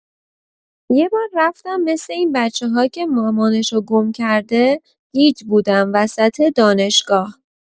یه بار رفتم مثه این بچه‌ها که مامانشو گم‌کرده، گیج بودم وسط دانشگاه!